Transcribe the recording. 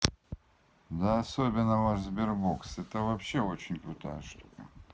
да особенно ваш sberbox это вообще очень крутая штука